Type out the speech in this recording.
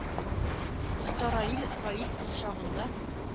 Оста раил раил ул чагында –